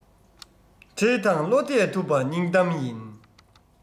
ཁྲེལ དང བློ གཏད ཐུབ པ སྙིང གཏམ ཡིན